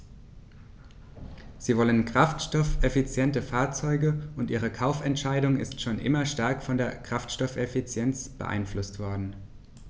Sie wollen kraftstoffeffiziente Fahrzeuge, und ihre Kaufentscheidung ist schon immer stark von der Kraftstoffeffizienz beeinflusst worden.